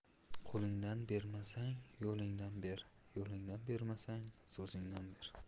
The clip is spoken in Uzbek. qo'lingdan bermasang yo'lingdan ber yo'lingdan bermasang so'zingdan ber